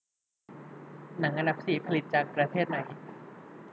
หนังอันดับสี่ผลิตจากประเทศไหน